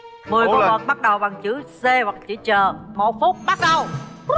mười con vật bắt đầu bằng chữ xê hoặc chữ chờ một phút bắt đầu